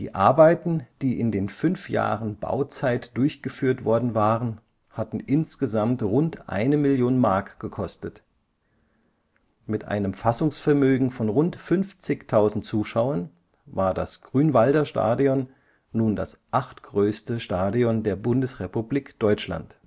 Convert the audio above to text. Arbeiten, die in den fünf Jahren Bauzeit durchgeführt worden waren, hatten insgesamt rund eine Million Mark gekostet. Mit einem Fassungsvermögen von rund 50.000 Zuschauern war das Grünwalder Stadion nun das achtgrößte Stadion der Bundesrepublik Deutschland